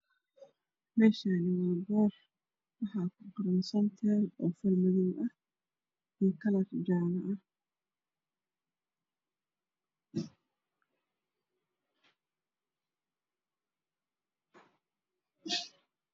Meeshaan waa boor waxaa kuqoran samtel oo far madow ah iyo kalar jaale ah.